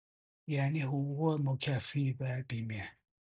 یعنی حقوق مکفی و بیمه.